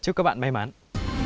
chúc các bạn may mắn